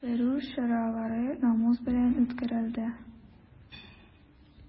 Тикшерү чаралары намус белән үткәрелде.